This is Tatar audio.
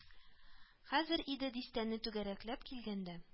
Хәзер, иде дистәне түгәрәкләп килгәндә